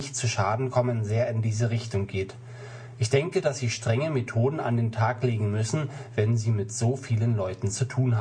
zu Schaden kommen, sehr in diese Richtung geht. Ich denke, dass Sie strenge Methoden an den Tag legen müssen, wenn Sie mit so vielen Leuten zu tun haben